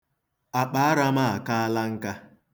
Akpaara m akaala nka.